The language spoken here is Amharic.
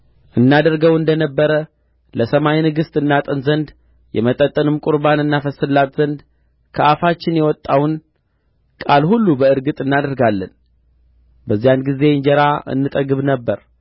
እናደርገው እንደ ነበረ ለሰማይ ንግሥት እናጥን ዘንድ የመጠጥንም ቁርባን እናፈስስላት ዘንድ ከአፋችን የወጣውን ቃል ሁሉ በእርግጥ እናደርጋለን በዚያን ጊዜም እንጀራ እንጠግብ ነበር